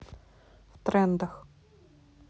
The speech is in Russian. в трендах